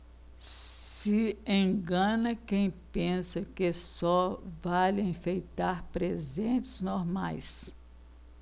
se engana quem pensa que só vale enfeitar presentes normais